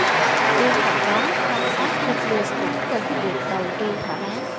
bên cạnh đó công tác phân luồng cũng cần được đầu tư thỏa đáng